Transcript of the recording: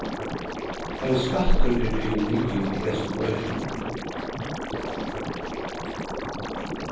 ein skattur er grivin niður í hesum økinum